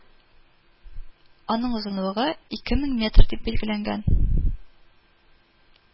Аның озынлыгы ике мең метр дип билгеләнгән